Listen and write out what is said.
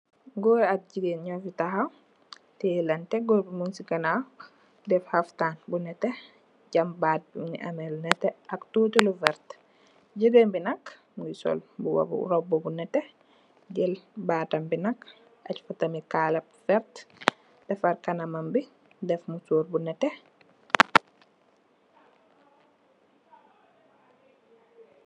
Goor ak jigeen nyi ngi taxaw, tiyelante, goor bi mung si ganaaw, def xaftaan bu nete, jam baat bi mungi ame lu nete ak tuuti lu verte, jigeen bi nak, mingi sol mbuba robbu bu nete, jal baatam bi nak aj fa tamit kaala bu verte, defar kanam bi, def musoor bu nete.